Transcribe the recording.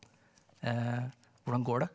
hvordan går det?